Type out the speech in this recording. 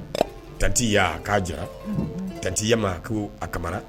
Tatiya k'a Jara, Unhun. Tatiya ma ko a Kamara